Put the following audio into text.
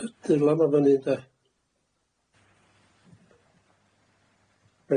D'ylo ma' fyny de.